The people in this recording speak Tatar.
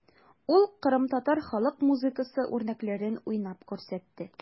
Ул кырымтатар халык музыкасы үрнәкләрен уйнап күрсәтте.